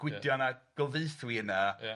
Gwydion a Gilfaethwy yna. Ia.